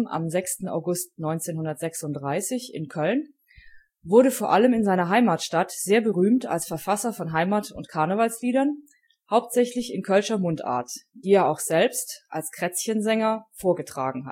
6. August 1936 in Köln) wurde vor allem in seiner Heimatstadt sehr berühmt als Verfasser von Heimat - und Karnevalsliedern hauptsächlich in Kölscher Mundart, die er auch selbst als Krätzchensänger vorgetragen